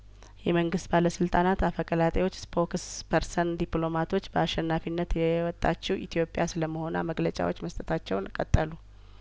የመንግስት ባለስልጣናት አፈቀላጤዎች ስፖ ክስ ፐርሰን ዲፕሎማቶች በአሸናፊነት የወጣችው ኢትዮጵያ ስለመሆኗ መግለጫዎች መስጠታቸውን ቀጠሉ